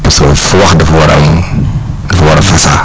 te soo wax dafa war a am dafa war a fasaa